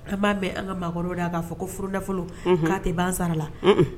An ba mɛn an ka maa kɔrɔw yɛrɛ da ka fɔ ko furunafolo tɛ ban sara la.